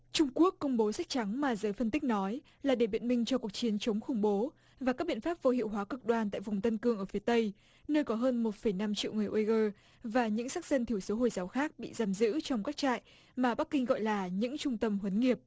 trung quốc công bố sách trắng mà giới phân tích nói là để biện minh cho cuộc chiến chống khủng bố và các biện pháp vô hiệu hóa cực đoan tại vùng tân cương ở phía tây nơi có hơn một phẩy năm triệu người uây gơ và những sắc dân thiểu số hồi giáo khác bị giam giữ trong các trại mà bắc kinh gọi là những trung tâm huấn nghiệp